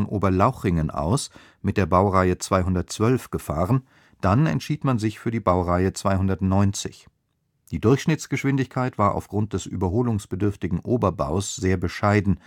Oberlauchringen aus mit der Baureihe 212 gefahren, dann entschied man sich für die Baureihe 290. Die Durchschnittsgeschwindigkeit war aufgrund des überholungsbedürftigen Oberbaus sehr bescheiden